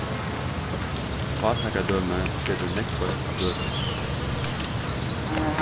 fátækradømi setur nógv fólk á gøtuna